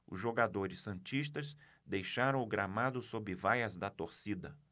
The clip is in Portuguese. os jogadores santistas deixaram o gramado sob vaias da torcida